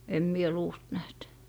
en minä luusta nähnyt